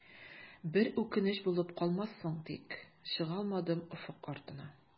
Бер үкенеч булып калмассың тик, чыгалмадым офык артына.